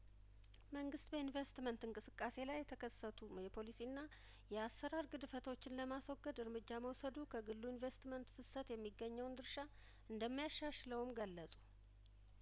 መንግስት በኢንቨስትመንት እንቅስቃሴ ላይ የተከሰቱም የፖሊሲና የአሰራር ግድፈቶችን ለማስወገድ እርምጃ መውሰዱ ከግሉ ኢንቨስትመንት ፍሰት የሚገኘውን ድርሻ እንደሚያሻሽለውም ገለጹ